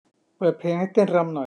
เปิดเพลงให้เต้นรำหน่อย